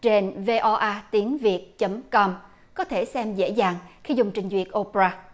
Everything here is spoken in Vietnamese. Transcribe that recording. trên vê o a tiếng việt chấm com có thể xem dễ dàng khi dùng trình duyệt ô poa